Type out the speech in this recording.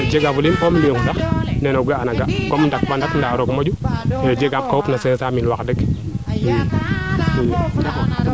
jega fu liim un million sax nene o ga ana ga comme ndap fo ndap ndaa roog ko jega ka xupna 500 mille wax deg i